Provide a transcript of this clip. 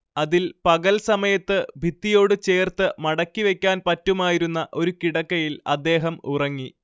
അതിൽ പകൽ സമയത്ത് ഭിത്തിയോട് ചേർത്ത് മടക്കിവക്കാൻ പറ്റുമായിരുന്ന ഒരു കിടക്കയിൽ അദ്ദേഹം ഉറങ്ങി